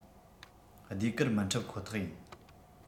ཟློས གར མི འཁྲབ ཁོ ཐག ཡིན